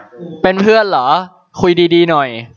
เป็นเพื่อนเหรอคุยดีดีหน่อย